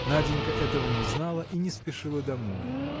Наденька этого не знала и не спешила домой.